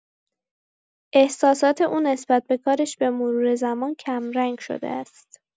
احساسات او نسبت به کارش به‌مرور زمان کم‌رنگ شده است.